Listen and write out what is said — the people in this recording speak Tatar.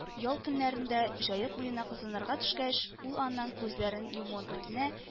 Ял көннәрендә җаек буена кызынырга төшкәч, ул аннан күзләрен йомуын үтенә